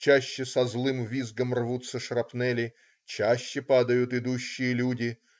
Чаще с злым визгом рвутся шрапнели, чаще падают идущие люди.